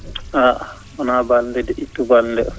ah wonaa Balde de ittu Balde o